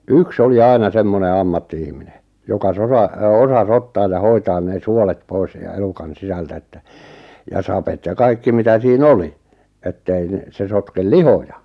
yksi oli aina semmoinen ammatti-ihminen joka - osasi ottaa ja hoitaa ne suolet pois ja elukan sisältä että ja sapet ja kaikki mitä siinä oli että ei no se sotke lihoja